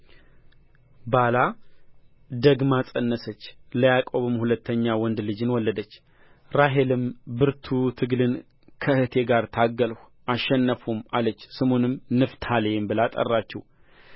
ባላ ደግማ ፀነሰች ለያዕቆብም ሁለተኛ ወንድ ልጅን ወለደች ራሔልም ብርቱ ትግልን ከእኅቴ ጋር ታገልሁ አሸነፍሁም አለች ስሙንም ንፍታሌም ብላ ጠራችው